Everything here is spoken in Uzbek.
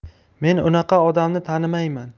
men unaqa odamni tanimayman